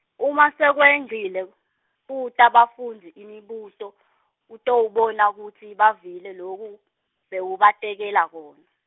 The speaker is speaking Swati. uma sewucedzile, buta bafundzi imibuto, utawubona kutsi bavile- loku, bewubatekela kona.